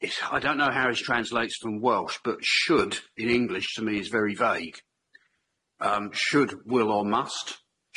I don't know how it translates from Welsh, but should, in English to me is very vague, should, will or must.